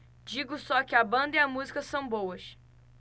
digo só que a banda e a música são boas